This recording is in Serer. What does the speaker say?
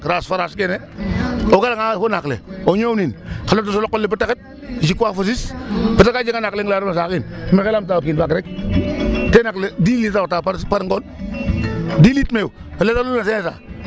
Naak naak fo raas raas kene o garanga fo naak le o ñoownin xan o dos o qol le ba ta xet jikoox fosis parce que a jega naak leŋ la refna saax in maxey laamta o kiin faak rek ke naak le dix litres a xota par par ngoon dix litres meew o leŋ olu refna cinq cent.